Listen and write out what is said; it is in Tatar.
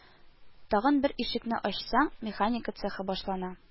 Тагын бер ишекне ачсаң, механика цехы башлана